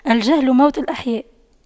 الجهل موت الأحياء